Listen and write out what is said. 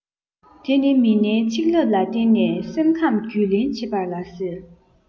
དེ ནི མི སྣའི ཆིག ལབ ལ བརྟེན ནས སེམས ཁམས རྒྱུས ལོན བྱེད པ ལ ཟེར